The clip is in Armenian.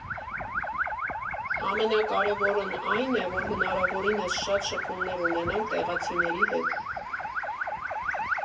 Ամենակարևորն այն է, որ հնարավորինս շատ շփումներ ունենաք տեղացիների հետ։